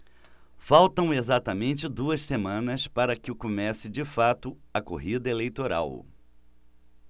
faltam exatas duas semanas para que comece de fato a corrida eleitoral